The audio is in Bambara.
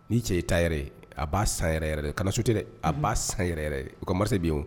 Ni cɛ ye ta yɛrɛ a b'a san yɛrɛ yɛrɛ ka so tɛ dɛ a ba san yɛrɛ u ka mari bɛ yen